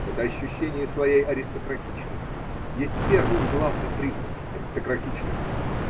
Это ощущение своей аристократичности есть первый и главный признак аристократичности.